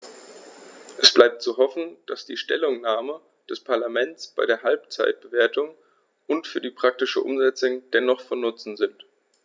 Es bleibt zu hoffen, dass die Stellungnahmen des Parlaments bei der Halbzeitbewertung und für die praktische Umsetzung dennoch von Nutzen sind.